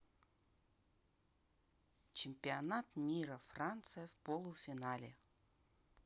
чемпионат мира франция в полуфинале